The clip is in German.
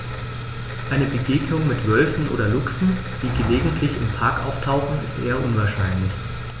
Eine Begegnung mit Wölfen oder Luchsen, die gelegentlich im Park auftauchen, ist eher unwahrscheinlich.